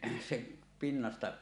se pinnasta